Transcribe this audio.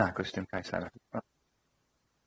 Na cwestiwn cais arall.